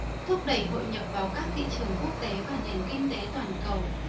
thúc đẩy hội nhập vào các thị trường quốc tế và nền kinh tế toàn cầu